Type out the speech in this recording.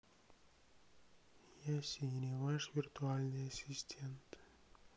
я сири ваш виртуальный ассистент